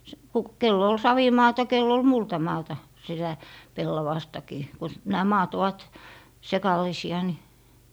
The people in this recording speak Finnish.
- kun kenellä oli savimaata kenellä oli multamaata sitä pellavastakin kun nämä maat ovat sekalaisia niin